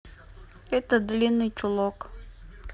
это длинный чулок